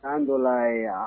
An don la ye ya?